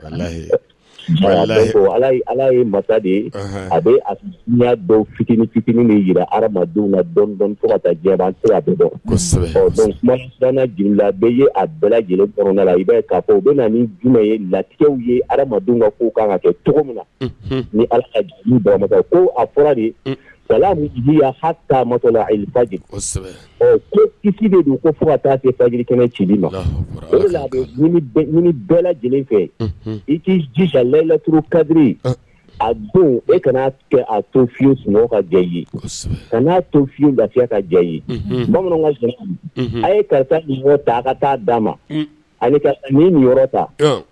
Ala a bɛ fitinininin jiradenw fo ka ja a i fɔ bɛ j ye latigɛw ye kan kɛ cogo min na ni ko a laji ko ko fo ka taajikɛnɛ ci ma bɛɛ lajɛlen fɛ i'i ji ka layilaturu kadiri a don e kana kɛ a to fiye ka ja kaa to fiye ka ka ja bamanan ka a ye karisa ta ka taa d'a ma ninyɔrɔ ta